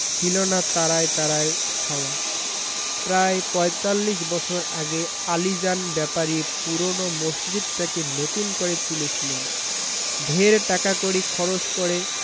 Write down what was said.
ছিলনা তারায় তারায় ছাওয়া প্রায় পঁয়তাল্লিশ বছর আগে আলীজান ব্যাপারী পূরোনো মসজিদটাকে নতুন করে তুলেছিলেন ঢের টাকাকড়ি খরচ করে